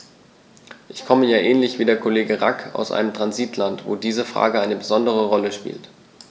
Ich komme ja ähnlich wie der Kollege Rack aus einem Transitland, wo diese Frage eine besondere Rolle spielt.